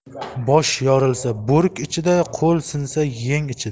bosh yorilsa bo'rk ichida qo'l sinsa yeng ichida